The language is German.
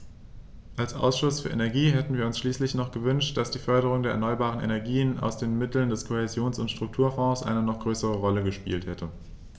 Als Ausschuss für Energie hätten wir uns schließlich noch gewünscht, dass die Förderung der erneuerbaren Energien aus den Mitteln des Kohäsions- und Strukturfonds eine noch größere Rolle gespielt hätte.